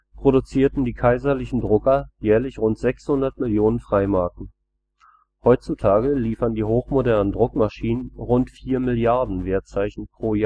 produzierten die kaiserlichen Drucker jährlich rund 600 Millionen Freimarken. Heutzutage liefern die hochmodernen Druckmaschinen rund 4 Milliarden Wertzeichen pro